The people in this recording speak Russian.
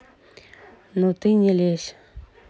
ну ты не лезь